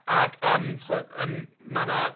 Ag yym, chi'mod yym mae 'na.